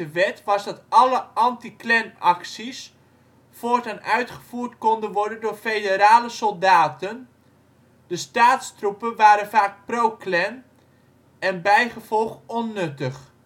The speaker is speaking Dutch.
wet was dat alle anti-Klanacties voortaan uitgevoerd konden worden door federale soldaten - de staatstroepen waren vaak pro-Klan en bijgevolg onnuttig